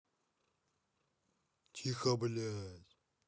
тихо блядь